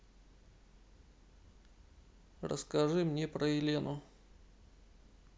расскажи мне про елену